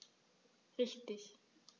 Richtig